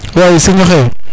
Wa siriñ oxe